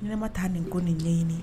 Ne ma taa nin ko nin ɲɛɲiniinin